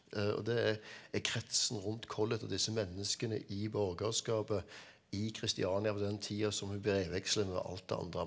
og det er er kretsen rundt Collett og disse menneskene i borgerskapet i Christiania på den tida som hun brevveksler med alt det andre.